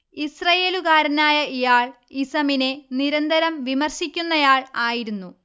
ഇസ്രയേലുകാരനായ ഇയാൾ ഇസമിനെ നിരന്തരം വിമർശിക്കുന്നയാൾ ആയിരുന്നു